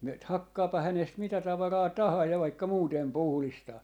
myyt hakkaapa hänestä mitä tavaraa tahansa ja vaikka muuten puhdistaa